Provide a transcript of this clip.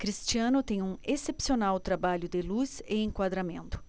cristiano tem um excepcional trabalho de luz e enquadramento